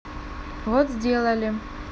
вот сделали